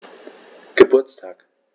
Geburtstag